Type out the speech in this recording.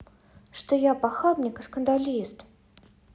что похабник я и скандалист